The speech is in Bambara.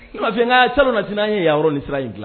Fin n ka sa sini n' ye yayɔrɔ ni siran in dilan